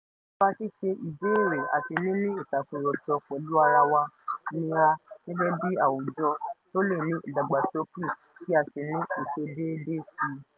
Nípa ṣíṣe ìbéèrè àti níní ìtàkúrọ̀sọ̀ pẹ̀lú ara wa ni a, gẹ́gẹ́ bíi àwùjọ, tó lè ní ìdàgbàsókè kí á sì ní ìṣedéédé síi.